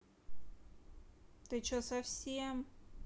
ты че совсем